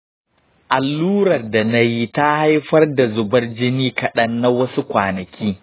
allurar da na yi ta haifar da zubar jini kaɗan na wasu kwanaki.